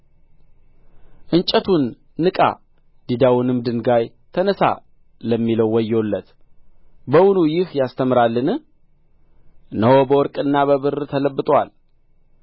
እንጨቱን ንቃ ዲዳውንም ድንጋይ ተነሣ ለሚለው ወዮለት በውኑ ይህ ያስተምራልን እነሆ በወርቅና በብር ተለብጦአል